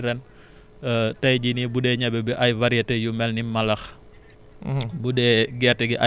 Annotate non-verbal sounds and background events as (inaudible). waaw parce que loolu sax moo ñu dimbali ren (hesitation) tey jii nii bu dee ñebe bi ay variétés yu mel ni malax